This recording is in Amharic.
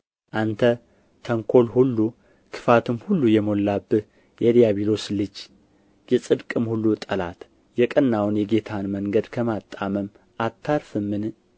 አንተ ተንኰል ሁሉ ክፋትም ሁሉ የሞላብህ የዲያብሎስ ልጅ የጽድቅም ሁሉ ጠላት የቀናውን የጌታን መንገድ ከማጣመም አታርፍምን